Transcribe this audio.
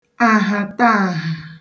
àhàtaàhà